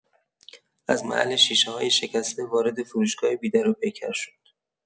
از محل شیشه‌های شکسته وارد فروشگاه بی‌دروپیکر شد.